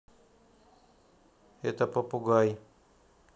это попугай